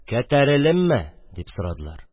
Кәтәрелеме? – дип сорадылар.